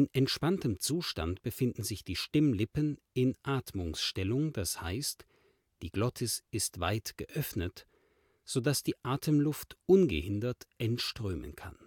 entspanntem Zustand befinden sich die Stimmlippen in Atmungsstellung, d. h. die Glottis ist weit geöffnet, so dass die Atemluft ungehindert entströmen kann